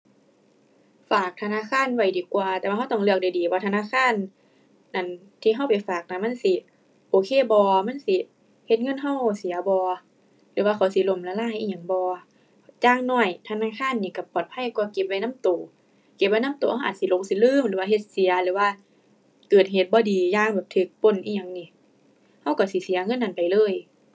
ฝากธนาคารไว้ดีกว่า แต่ว่าเราต้องเลือกดีดีว่าธนาคารนั้นที่เราไปฝากนั้นมันสิโอเคบ่ มันสิเฮ็ดเงินเราเสียบ่หรือว่าเขาสิล้มละลายอิหยังบ่ อย่างน้อยธนาคารนี่เราปลอดภัยกว่าเก็บไว้นำเรา เก็บไว้นำเราเราอาจสิหลงสิลืมหรือว่าเฮ็ดเสียหรือว่าเกิดเหตุบ่ดี อย่างแบบเราปล้นอิหยังนี่ เราเราสิเสียเงินนั้นไปเลย